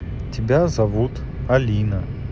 тебя зовут алина